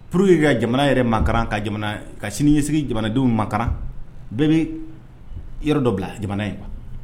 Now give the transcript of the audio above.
Pur ye ka jamana yɛrɛ ka ka sini ɲɛ sigi jamanadenw maran bɛɛ bɛ yɔrɔ dɔ bila jamana ye